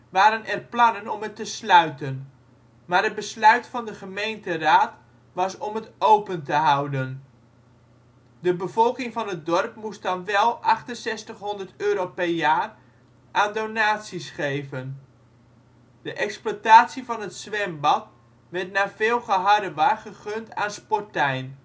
waren er plannen om het te sluiten. Maar het besluit van de gemeenteraad was om het open te houden. De bevolking van het dorp moest dan wel 6800 euro per jaar aan donaties geven. De exploitatie van het zwembad werd na veel geharrewar gegund aan Sportijn